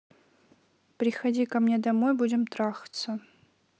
приходи ко мне домой будем трахаться